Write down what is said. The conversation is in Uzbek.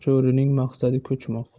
cho'rining maqsadi ko'chmoq